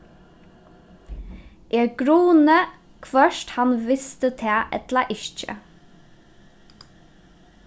eg gruni hvørt hann visti tað ella ikki